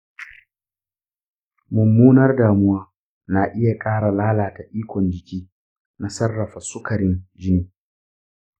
mummunar damuwa na iya ƙara lalata ikon jiki na sarrafa sukarin jini.